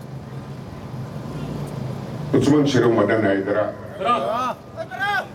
Siri mɔd na